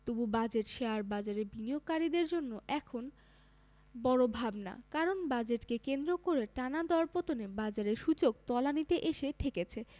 তবু বাজেট শেয়ারবাজারে বিনিয়োগকারীদের জন্য এখন বড় ভাবনা কারণ বাজেটকে কেন্দ্র করে টানা দরপতনে বাজারের সূচক তলানিতে এসে ঠেকেছে